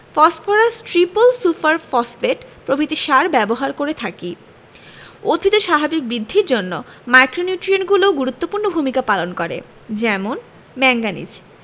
phosphorus triple super phosphate প্রভৃতি সার ব্যবহার করে থাকি উদ্ভিদের স্বাভাবিক বৃদ্ধির জন্য মাইক্রোনিউট্রিয়েন্টগুলোও গুরুত্বপূর্ণ ভূমিকা পালন করে যেমন ম্যাংগানিজ